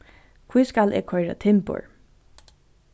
hví skal eg koyra timbur